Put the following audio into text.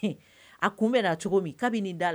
A kun bɛ cogo min kabini nin da la